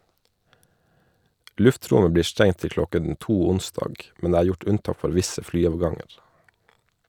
Luftrommet blir stengt til kl. 02 onsdag, men det er gjort unntak for visse flyavganger.